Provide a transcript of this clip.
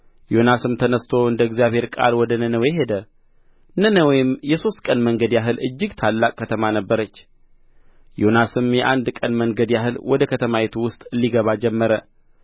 ዮናስም ተነሥቶ እንደ እግዚአብሔር ቃል ወደ ነነዌ ሄደ ነነዌም የሦስት ቀን መንገድ ያህል እጅግ ታላቅ ከተማ ነበረች ዮናስም የአንድ ቀን መንገድ ያህል ወደ ከተማይቱ ውስጥ ሊገባ ጀመረ